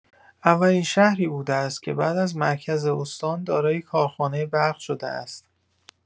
اولین شهری بوده است که بعد از مرکز استان دارای کارخانه برق شده است.